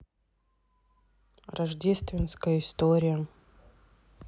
рождественская история